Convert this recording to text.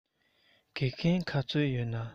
དགེ རྒན ག ཚོད ཡོད ན